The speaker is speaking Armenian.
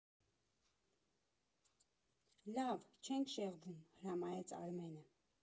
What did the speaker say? ֊ Լավ, չենք շեղվում, ֊ հրամայեց Արմենը։